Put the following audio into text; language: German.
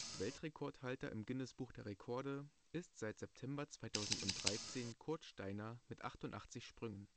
Weltrekordhalter im Guinness-Buch der Rekorde ist seit September 2013 Kurt Steiner mit 88 Sprüngen